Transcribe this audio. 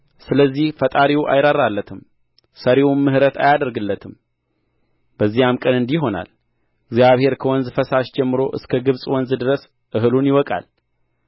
ስለዚህ ፈጣሪው አይራራለትም ሠሪውም ምሕረት አያደርግለትም በዚያም ቀን እንዲህ ይሆናል እግዚአብሔር ከወንዝ ፈሳሽ ጀምሮ እስከ ግብጽ ወንዝ ድረስ እህሉን ይወቃል